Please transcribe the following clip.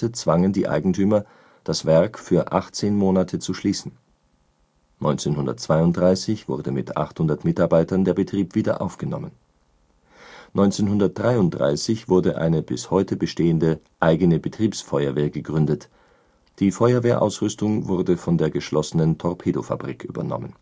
zwangen die Eigentümer, das Werk für 18 Monate zu schließen, 1932 wurde mit 800 Mitarbeitern der Betrieb wiederaufgenommen. 1933 wurde eine bis heute bestehende eigene Betriebsfeuerwehr gegründet, die Feuerwehrausrüstung wurde von der geschlossenen Torpedofabrik übernommen